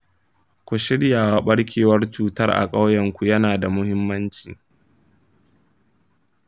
ku shiryawa barkewar cutar a kauyenku yana da muhimmanci.